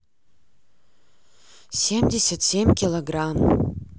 семьдесят семь килограмм